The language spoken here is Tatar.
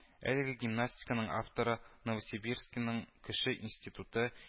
– әлеге гимнастиканың авторы новосибирскиның “кеше институты”